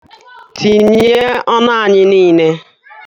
Tinye ọnụ anyị niile.